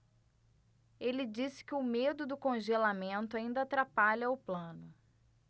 ele disse que o medo do congelamento ainda atrapalha o plano